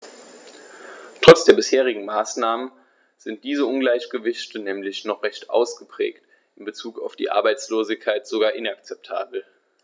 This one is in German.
Trotz der bisherigen Maßnahmen sind diese Ungleichgewichte nämlich noch recht ausgeprägt, in bezug auf die Arbeitslosigkeit sogar inakzeptabel.